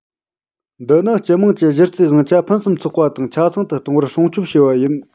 འདི ནི སྤྱི དམངས ཀྱི གཞི རྩའི དབང ཆ ཕུན སུམ ཚོགས པ དང ཆ ཚང དུ གཏོང བར སྲུང སྐྱོབ བྱས པ ཡིན